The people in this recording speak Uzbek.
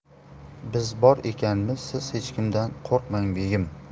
biz bor ekanmiz siz hech kimdan qo'rqmang begim